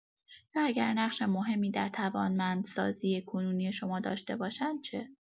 یا اگر نقش مهمی در توانمندسازی کنونی شما داشته باشند چه؟